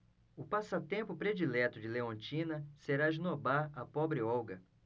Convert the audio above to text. o passatempo predileto de leontina será esnobar a pobre olga